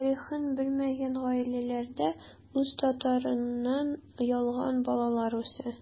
Тарихын белмәгән гаиләләрдә үз татарыннан оялган балалар үсә.